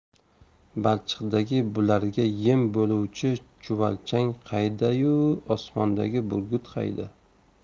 balchiqdagi bularga yem bo'luvchi chuvalchang qayda yu osmondagi burgut qayda